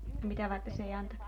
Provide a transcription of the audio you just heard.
mitä varten se ei antanut